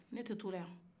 ne tɛ tola yan